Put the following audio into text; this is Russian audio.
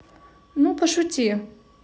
ну пошути